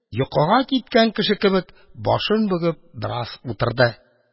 Йокыга киткән кеше кебек, башын бөгеп бераз утырды